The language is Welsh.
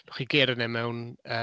Allwch chi gerdded yna mewn yy...